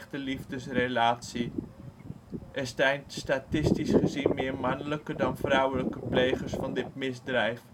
Er zijn statistisch gezien meer mannelijke dan vrouwelijke plegers van dit misdrijf